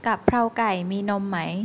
กะเพราไก่มีนมไหม